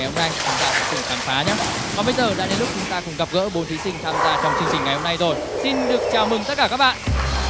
hôm nay chúng ta sẽ cùng khám phá nhá còn bây giờ đã đến lúc chúng ta cùng gặp gỡ bốn thí sinh tham gia trong chương trình ngày hôm nay rồi xin được chào mừng tất cả các bạn